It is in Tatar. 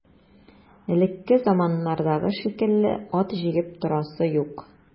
Элекке заманнардагы шикелле ат җигеп торасы юк.